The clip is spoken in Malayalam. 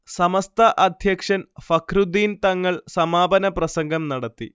സമസ്ത അധ്യക്ഷൻ ഫഖ്റുദ്ദീൻ തങ്ങൾ സമാപന പ്രസംഗം നടത്തി